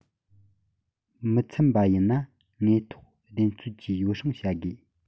མི འཚམས པ ཡིན ན དངོས ཐོག བདེན འཚོལ གྱིས ཡོ བསྲང བྱ དགོས